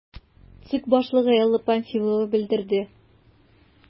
ЦИК башлыгы Элла Памфилова белдерде: